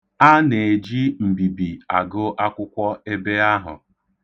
A na-eji mbibi agụ akwụkwọ ebe ahụ.